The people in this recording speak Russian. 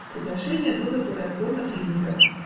Приглашение было благосклонно принято.